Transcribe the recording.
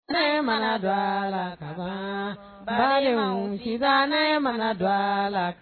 Ne mana dɔ la ba ne mala don la